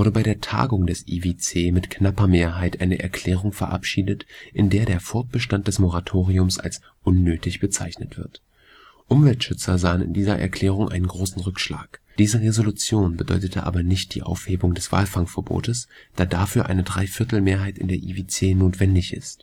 bei der Tagung des IWC mit knapper Mehrheit eine Erklärung verabschiedet, in der der Fortbestand des Moratoriums als unnötig bezeichnet wird. Umweltschützer sahen in dieser Erklärung einen großen Rückschlag. Diese Resolution bedeutete aber nicht die Aufhebung des Walfangverbotes, da dafür eine Dreiviertelmehrheit in der IWC notwendig ist